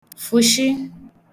fụ̀shị